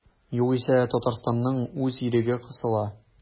Югыйсә Татарстанның үз иреге кысыла.